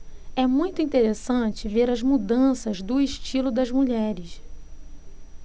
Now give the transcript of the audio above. é muito interessante ver as mudanças do estilo das mulheres